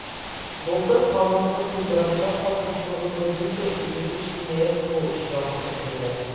Былтыр канунсыз мигрантлар катнашлыгында 155 җинаять кылу очрагы теркәлгән.